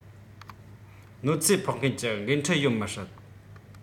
གནོད འཚེ ཕོག མཁན གྱི འགན འཁྲི ཡོད མི སྲིད